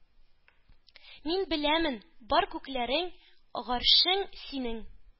Мин беләмен, бар күкләрең, гаршең синең